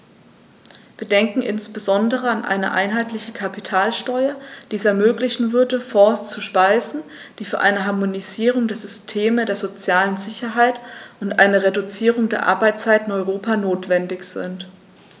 Wir denken insbesondere an eine einheitliche Kapitalsteuer, die es ermöglichen würde, Fonds zu speisen, die für eine Harmonisierung der Systeme der sozialen Sicherheit und eine Reduzierung der Arbeitszeit in Europa notwendig sind.